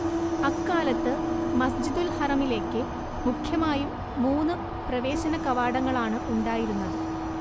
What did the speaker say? അക്കാലത്തു മസ്ജിദുൽ ഹറമിലേക്ക് മുഖ്യമായും മൂന്നു പ്രവേശന കവാടങ്ങളാണ് ഉണ്ടായിരുന്നത്